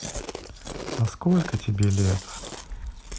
а сколько тебе лет